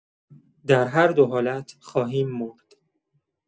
در هر دو حالت خواهیم مرد.